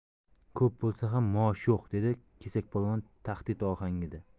ko'p bo'lsa ham maosh yo'q dedi kesakpolvon tahdid ohangida